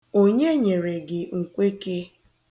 Onye nyere gị nkweke?